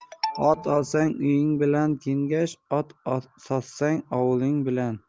ot olsang uying bilan kengash ot sotsang ovuling bilan